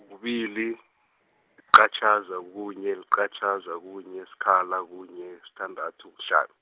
kubili, liqatjhaza, kunye, liqatjhaza, kunye, sikhala, kunye sithandathu kuhlanu.